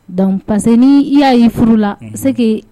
Donc pa que ni i y'a'i furu la se